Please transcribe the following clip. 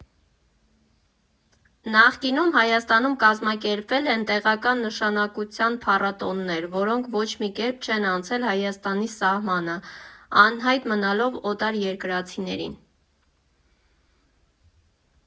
Նախկինում Հայաստանում կազմակերպվել են տեղական նշանակության փառատոներ, որոնք ոչ մի կերպ չեն անցել Հայաստանի սահմանը՝ անհայտ մնալով օտարերկրացիներին։